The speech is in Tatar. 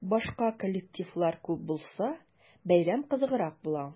Башка коллективлар күп булса, бәйрәм кызыграк була.